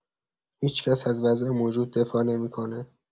هیچ‌کس از وضع موجود دفاع نمی‌کنه.